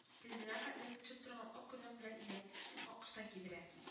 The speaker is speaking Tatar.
Тезенә хәтле үк төшеп торган ак күлмәк белән иләмсез киң ак ыштан кидерә